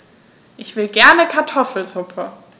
Ich will gerne Kartoffelsuppe.